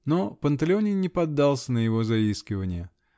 но Панталеоне не поддался на его заискивания.